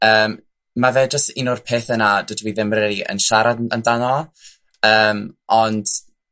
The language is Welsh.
Yym ma' fe jys un o'r petha' 'na dydw i ddim rili yn siarad yn amdano. Yym ond